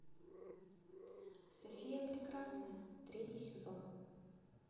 софия прекрасная третий сезон